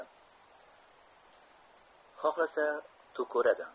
xohlasa tukuradi